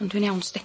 Ond dwi'n iawn sdi.